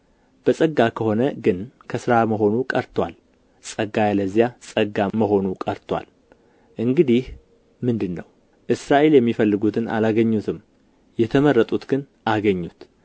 በጸጋ ከሆነ ግን ከሥራ መሆኑ ቀርቶአል ጸጋ ያለዚያ ጸጋ መሆኑ ቀርቶአል እንግዲህ ምንድር ነው እስራኤል የሚፈልጉትን አላገኙትም የተመረጡት ግን አገኙት